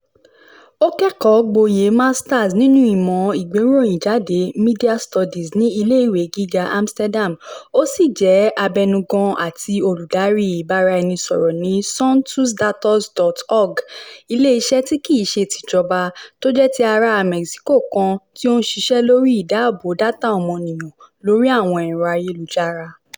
Ó kẹ́kọ̀ọ́ gboyè Masters nínú ìmọ̀ ìgbéròyìnjáde (Media Studies) ní iléèwé gíga Amsterdam ó sì jẹ́ Abẹnugan àti olùdarí ìbára-ẹni-sọ̀rọ̀ ní SonTusDatos.org, iléèṣé tí kìí ṣe ti ijọ̀ba tó jẹ́ ti aráa Mexico kan tí ó ń ṣiṣẹ́ lóri ìdáàbò data ọmọniyàn lórí àwọn ẹ̀rọ ayélujára.